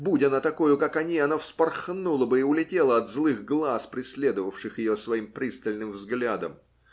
Будь она такою, как они, она вспорхнула бы и улетела от злых глаз, преследовавших ее своим пристальным взглядом.